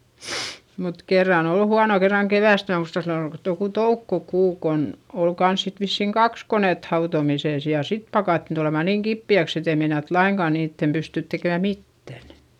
mutta kerran oli huono kerran keväästä minä muistan silloin oli joku toukokuu kun oli kanssa sitten vissiin kaksi konetta hautomisessa ja sitten pakattiin tulemaan niin kipeäksi että ei meinattu lainkaan niiden pystyä tekemään mitään